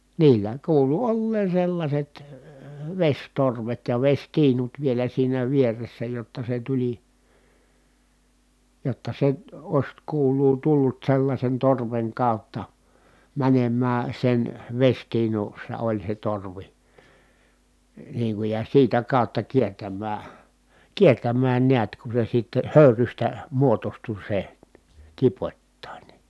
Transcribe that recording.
niillä kuului olleen sellaiset vesitorvet ja vesitiinut vielä siinä vieressä jotta se tuli jotta se olisi kuuluu tullut sellaisen torven kautta menemään sen vesitiinussa oli se torvi niin kuin ja siitä kautta kiertämään kiertämään näet kun se sitten höyrystä muodostui se tipoittain